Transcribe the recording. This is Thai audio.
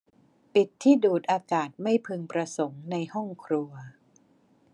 ปิดที่ดูดอากาศไม่พึงประสงค์ในห้องครัว